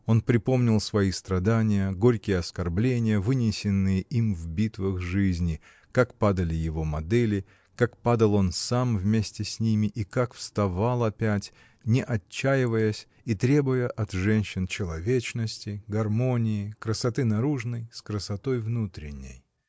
Он припомнил свои страдания, горькие оскорбления, вынесенные им в битвах жизни: как падали его модели, как падал он сам вместе с ними и как вставал опять, не отчаиваясь и требуя от женщин человечности, гармонии красоты наружной с красотой внутренней.